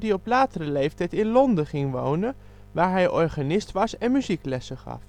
op latere leeftijd in Londen ging wonen, waar hij organist was en muzieklessen gaf